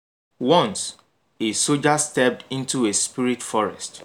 Once, a soldier stepped into a spirit forest.